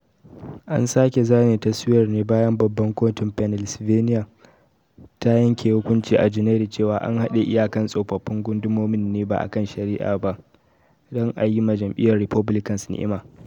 An sake zane taswirar ne bayan Babban Kotun Pennsylvania ta yanken hukunci a Janairu cewa an haɗe iyakan tsofaffin gundumomin ne ba akan shari’a ba dan a yima jam’iyar Republicans ni’ima.